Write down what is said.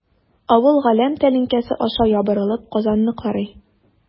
Авыл галәм тәлинкәсе аша ябырылып Казанны карый.